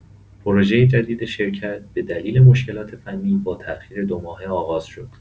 پروژۀ جدید شرکت به دلیل مشکلات فنی با تاخیر دو ماهه آغاز شد.